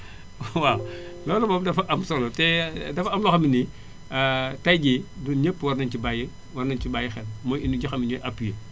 waaw loolu moom dafa am solo te te dafa am loo xam ne nii tay jii du ñépp war nañu ci bàyyi war nañu ci bàyyi xel mooy indi joo xam ni appui la